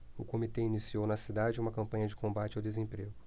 o comitê iniciou na cidade uma campanha de combate ao desemprego